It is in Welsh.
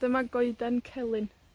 Dyma goeden celyn.